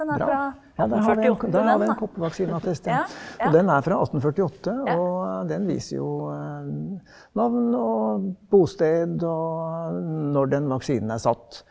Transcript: bra, ja der har vi en der har vi den koppervaksineattesten og den er fra 1848 og den viser jo navn og bosted og når den vaksinen er satt.